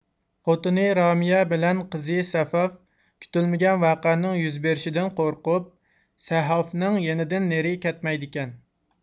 خوتۇنى رامىيە بىلەن قىزى سەفەف كۈتۈلمىگەن ۋەقەنىڭ يۈز بېرىشىدىن قورقۇپ سەھافنىڭ يېنىدىن نېرى كەتمەيدىكەن